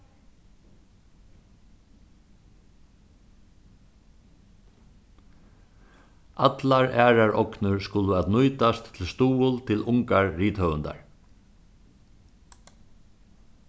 allar aðrar ognir skulu at nýtast til stuðul til ungar rithøvundar